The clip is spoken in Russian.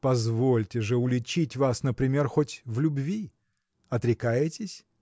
Позвольте же уличить вас, например, хоть в любви. отрекаетесь?